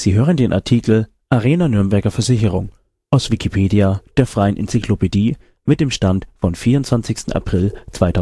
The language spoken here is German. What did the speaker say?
hören den Artikel Arena Nürnberger Versicherung, aus Wikipedia, der freien Enzyklopädie. Mit dem Stand vom Der